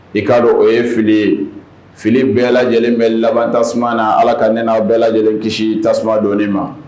I k'a dɔn o ye fili fili bɛɛ lajɛlen bɛ laban tasuma na ala ka n'aw bɛɛ lajɛlen kisi tasuma dɔ ma